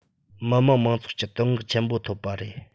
མི དམངས མང ཚོགས ཀྱི བསྟོད བསྔགས ཆེན པོ ཐོབ པ རེད